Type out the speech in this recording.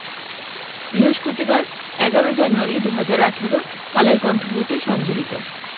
বৃহস্পতিবার ১১ জানুয়ারি ২০১৮ কালের কন্ঠ হতে সংগৃহীত